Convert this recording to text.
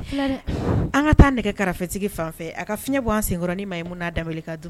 Filɛ dɛ an ŋa taa nɛgɛkarafɛtigi fanfɛ a ka fiɲɛ bɔ an seŋɔrɔ nin Maimouna Dembele ka du